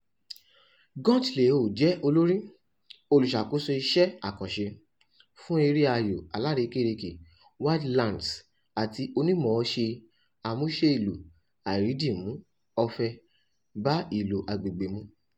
GunChleoc jẹ́ Olórí (olùṣàkóso iṣẹ́ àkànṣe) fún eré ayò alárekérekè Widelands àti onímọ̀ọ́ṣe amúṣẹ́-èlò àìrídìmú ọ̀fẹ́ bá-ìlò-agbègbèmu.